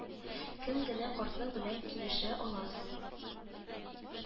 Кем генә картлык белән килешә ала соң